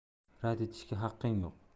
rad etishga haqqing yo'q